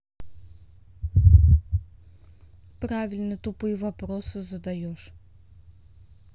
правильно тупые вопросы задаешь